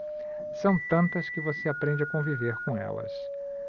são tantas que você aprende a conviver com elas